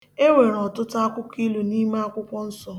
E nwere ọtụtụ akụkọilu n'ime akwụkwọ nsọ